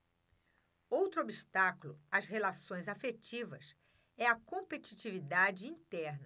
outro obstáculo às relações afetivas é a competitividade interna